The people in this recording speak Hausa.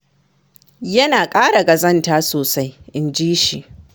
“Yana ƙara ƙazanta sosai,” inji shi.